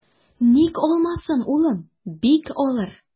Ник алмасын, улым, бик алыр.